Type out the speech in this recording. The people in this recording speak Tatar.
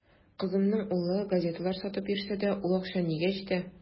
Кызымның улы газеталар сатып йөрсә дә, ул акча нигә җитә.